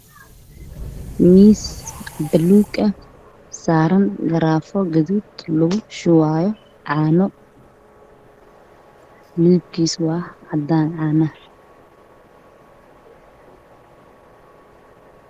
Waa karaafo guduud caano ayaa ku jirto